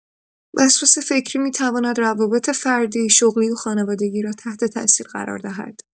وسواس فکری می‌تواند روابط فردی، شغلی و خانوادگی را تحت‌تأثیر قرار دهد.